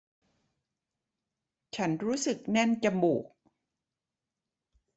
ฉันรู้สึกแน่นจมูก